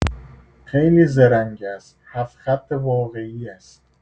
خیلی زرنگ است، هفت‌خط واقعی است.